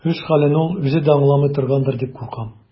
Үз хәлен ул үзе дә аңламый торгандыр дип куркам.